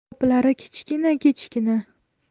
qoplari kichkina kichkina